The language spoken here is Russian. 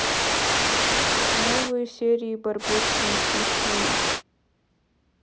новые серии барбоскины смешные